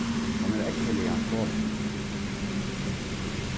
hon er ógvuliga tolin